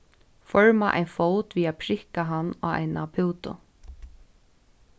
forma ein fót við at prikka hann á eina pútu